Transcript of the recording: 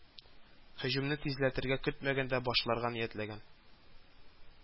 Һөҗүмне тизләтергә, көтмәгәндә башларга ниятләгән